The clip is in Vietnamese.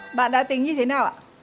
bạn đã tính như thế nào ạ